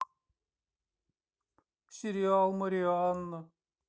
сериал марианна